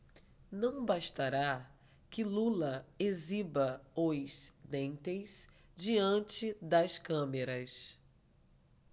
não bastará que lula exiba os dentes diante das câmeras